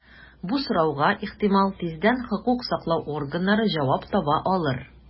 Бу сорауга, ихтимал, тиздән хокук саклау органнары җавап таба алыр.